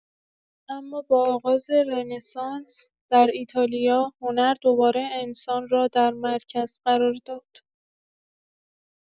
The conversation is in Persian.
اما با آغاز رنسانس در ایتالیا، هنر دوباره انسان را در مرکز قرار داد.